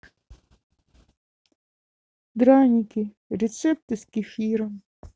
драники рецепты с кефиром